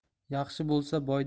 yaxshi bo'lsa boydan